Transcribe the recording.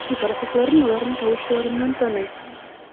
Әти пароходларны аларның тавышларыннан таный.